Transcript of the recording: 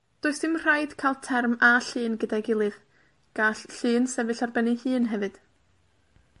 Does dim rhaid ca'l term a llun gyda'i gilydd. Gall llun sefyll ar ben ei hun hefyd.